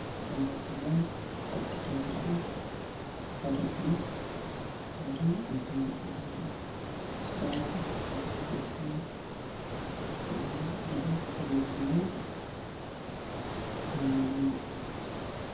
Waa surwaal saaran mutuleel cadaan ah. Surwaalka kalarkiisu waa buluug ama gaduud ama madow.